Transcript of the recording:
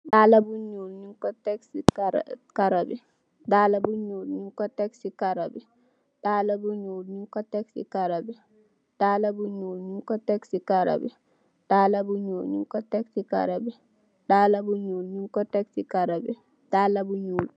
Dalla bu ñuul ñiñ ko tek ci karó bi.